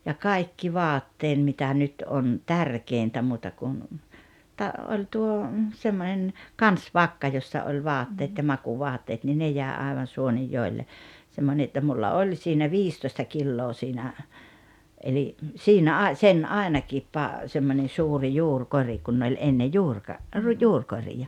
ja kaikki vaatteeni mitä nyt on tärkeintä muuta kuin - oli tuo semmoinen kansivakka jossa oli vaatteet ja makuuvaatteet niin ne jäi aivan Suonenjoelle semmoinen että minulla oli siinä viisitoista kiloa siinä eli siinä - sen ainakin - semmoinen suuri juurikori kun oli ennen -- juurikoreja